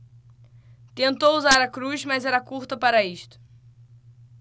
tentou usar a cruz mas era curta para isto